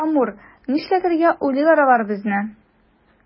Амур, нишләтергә уйлыйлар алар безне?